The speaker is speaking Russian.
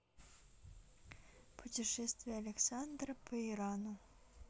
путешествие александра по ирану